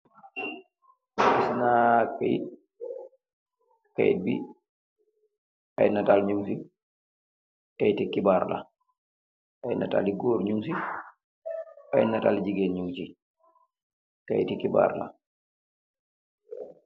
Naatbi keyt bi ay netal nyung fi keyti xibaar la ay netal yu goor nyun fi ay netal jigeen nyun si keyti xibaar la.